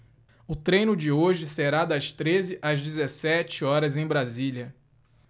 o treino de hoje será das treze às dezessete horas em brasília